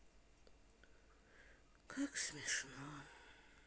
как смешно